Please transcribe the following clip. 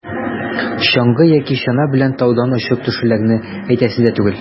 Чаңгы яки чана белән таудан очып төшүләрне әйтәсе дә түгел.